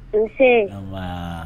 Nse